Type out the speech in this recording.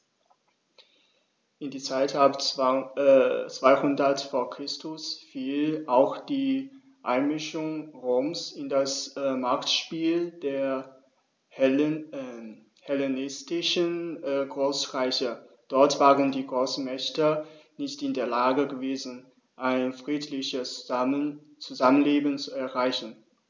In die Zeit ab 200 v. Chr. fiel auch die Einmischung Roms in das Machtspiel der hellenistischen Großreiche: Dort waren die Großmächte nicht in der Lage gewesen, ein friedliches Zusammenleben zu erreichen.